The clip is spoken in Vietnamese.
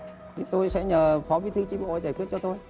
thì tôi sẽ nhờ phó bí thư chi bộ giải quyết cho tôi